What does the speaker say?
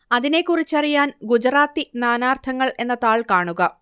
അതിനെക്കുറിച്ചറിയാൻ ഗുജറാത്തി നാനാർത്ഥങ്ങൾ എന്ന താൾ കാണുക